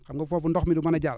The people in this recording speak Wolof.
xam nga foofu ndox mi du mën a jàll